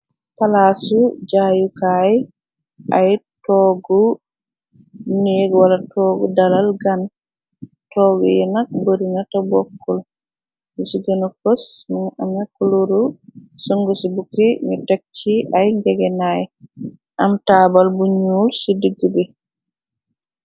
Palaasu jaayukaay ay toogu neeg wala toogu dalal gan toogu yi nag burina te bokkul bi ci gëna pës anakku luru sung ci bukki mi teg ci ay njegenaay am taabal bu ñuul ci digg bi.